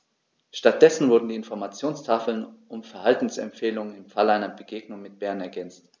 Stattdessen wurden die Informationstafeln um Verhaltensempfehlungen im Falle einer Begegnung mit dem Bären ergänzt.